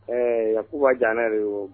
Ɛɛ a koba jan yɛrɛ